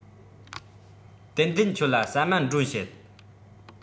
ཏན ཏན ཁྱོད ལ ཟ མ མགྲོན བྱེད